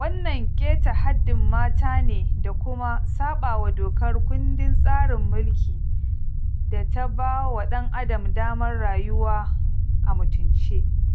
Wannan keta haddin mata ne da kuma saɓawa dokar kundin tsarin mulki da ta ba wa ɗan adam damar rayuwa a mutunce.